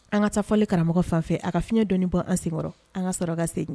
An ka taa fɔli karamɔgɔ fan fɛ a ka fiɲɛ dɔnɔni bɔ an sen an ka sɔrɔ ka segingin